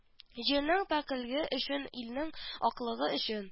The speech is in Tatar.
Җирнең пакьлеге өчен илнең аклыгы өчен